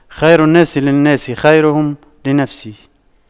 خير الناس للناس خيرهم لنفسه